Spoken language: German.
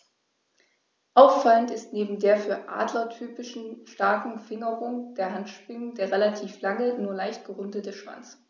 Auffallend ist neben der für Adler typischen starken Fingerung der Handschwingen der relativ lange, nur leicht gerundete Schwanz.